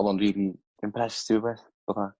odd o'n rili impressed teip o beth fatha